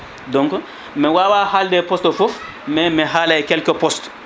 donc mi wawa haalde poste foof mais mi haalay quelques postes